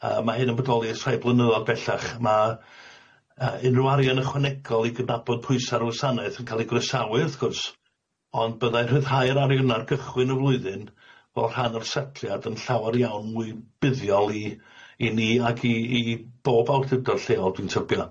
Yyy ma' hyn yn bodoli ers rhai blynyddo'd bellach ma' y- unryw arian ychwanegol i gyfnabod pwysa'r wasaneth yn cal'i grysawu wrth gwrs ond byddai rhyddhau'r arian ar gychwyn y flwyddyn fel rhan o'r satliad yn llawer iawn mwy buddiol i- i ni ag i i bob awdurdod lleol dwi'n tybio.